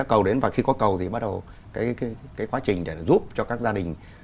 cầu đến và khi có cầu thì bắt đầu cái cái cái quá trình để giúp cho các gia đình